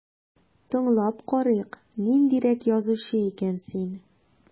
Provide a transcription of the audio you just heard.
Тыңлап карыйк, ниндирәк язучы икән син...